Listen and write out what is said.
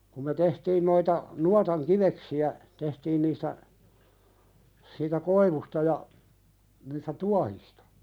kun me tehtiin noita nuotan kiveksiä tehtiin niistä siitä koivusta ja niistä tuohista